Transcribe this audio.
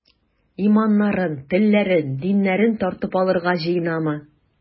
Иманнарын, телләрен, диннәрен тартып алырга җыенамы?